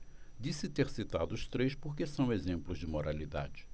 disse ter citado os três porque são exemplos de moralidade